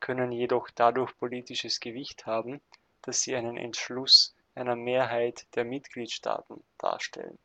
können jedoch dadurch politisches Gewicht haben, dass sie einen Entschluss einer Mehrheit der Mitgliedstaaten darstellen